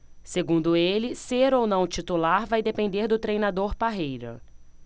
segundo ele ser ou não titular vai depender do treinador parreira